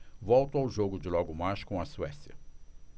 volto ao jogo de logo mais com a suécia